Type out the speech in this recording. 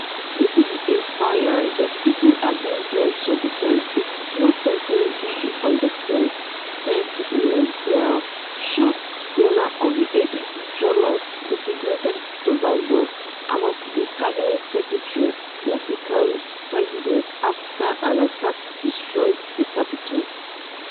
"This is a fire that people are being drawn to because it's not something we understand," said Neal Baer, show runner of the ABC drama "Designated Survivor," about a cabinet secretary who becomes president after an attack destroys the Capitol.